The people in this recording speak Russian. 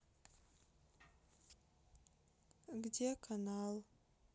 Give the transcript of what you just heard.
где канал